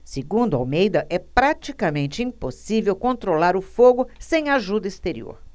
segundo almeida é praticamente impossível controlar o fogo sem ajuda exterior